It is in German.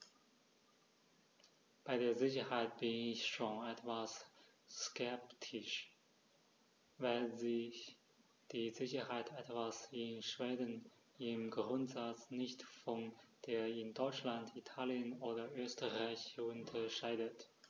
Bei der Sicherheit bin ich schon etwas skeptisch, weil sich die Sicherheit etwa in Schweden im Grundsatz nicht von der in Deutschland, Italien oder Österreich unterscheidet.